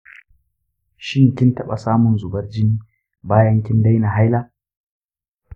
shin kin taɓa samun zubar jini bayan kin daina haila?